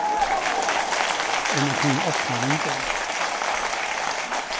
eg má kunna opna vindeygað